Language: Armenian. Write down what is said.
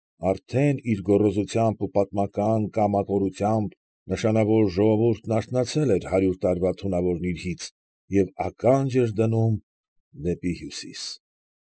Արդեն իր գոռոզությամբ և պատմական կամակորությամբ նշանավոր ժողովուրդն արթնացել էր հարյուր տարվա թունավոր նիրհից և ականջ էր դնում դեպի հյուսիս։